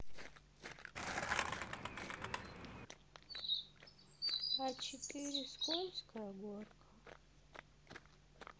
а четыре скользкая горка